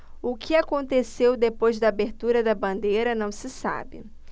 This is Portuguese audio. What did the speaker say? o que aconteceu depois da abertura da bandeira não se sabe